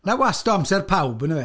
'Na wast o amser pawb, yndyfe.